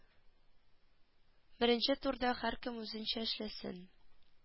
Беренче турда һәркем үзенчә эшләсен